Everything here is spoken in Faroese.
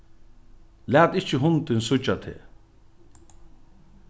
lat ikki hundin síggja teg